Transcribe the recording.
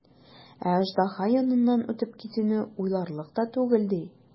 Ә аждаһа яныннан үтеп китүне уйларлык та түгел, ди.